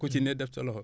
ku ci ne def sa loxo